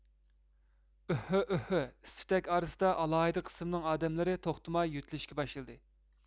ئۆھھۆ ئۆھھۆ ئىس تۈتەك ئارىسىدا ئالاھىدە قىسمىنىڭ ئادەملىرى توختىماي يۆتىلىشكە باشلىدى